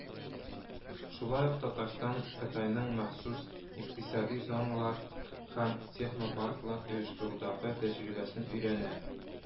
Шулай ук Татарстан Кытайның махсус икътисади зоналар һәм технопарклар оештырудагы тәҗрибәсен өйрәнә